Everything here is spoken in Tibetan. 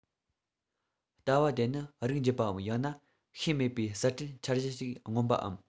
ལྟ བ དེ ནི རིགས འབྱེད པའམ ཡང ན ཤེས མེད པའི གསར སྐྲུན འཆར གཞི ཞིག མངོན པའམ